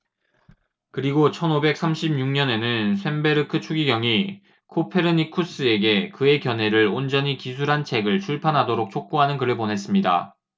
그리고 천 오백 삼십 육 년에는 쇤베르크 추기경이 코페르니쿠스에게 그의 견해를 온전히 기술한 책을 출판하도록 촉구하는 글을 보냈습니다